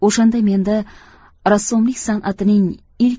o'shanda menda rassomlik san'atining ilk